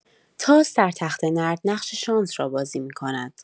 تاس در تخته‌نرد نقش شانس را بازی می‌کند؛